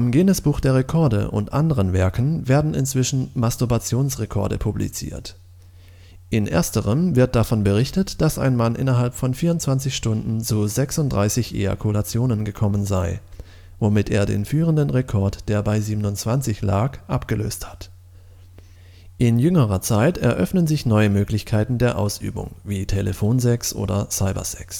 Guinness-Buch der Rekorde und anderen Werken werden inzwischen „ Masturbationsrekorde “publiziert. In ersterem wird davon berichtet, dass ein Mann innerhalb von 24 Stunden zu 36 Ejakulationen gekommen sei, womit er den früheren Rekord, der bei 27 lag, abgelöst hat. In jüngerer Zeit eröffnen sich neue Möglichkeiten der Ausübung wie Telefonsex oder Cybersex